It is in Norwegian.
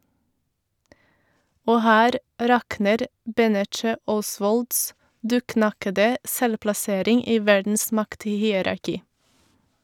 Og her rakner Benneche Osvolds dukknakkede selvplassering i verdens makthierarki.